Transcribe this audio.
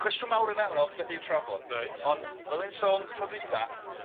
Cwestiwn mawr yna, ma' 'na lot o betha i'w trafod. Reit. Ond fel o'n i'n sôn tro dwytha... Ia.